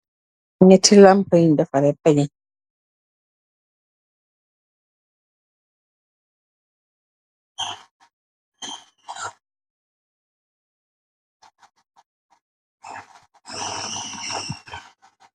Nyati lampa yu defare panye